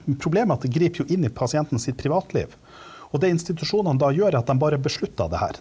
problemet er at det griper jo inn i pasienten sitt privatliv, og det institusjonene da gjør er at dem bare beslutter det her.